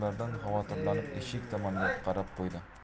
gaplardan xavotirlanib eshik tomonga qarab qo'ydi